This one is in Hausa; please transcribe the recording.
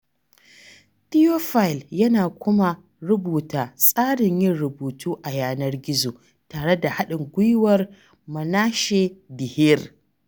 Théophile yana kuma rubuta tsarin yin rubutu a yanar gizo tare da haɗin gwiwar Manasseh Deheer.